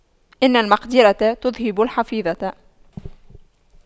إن المقْدِرة تُذْهِبَ الحفيظة